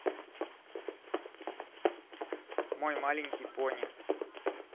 мой маленький пони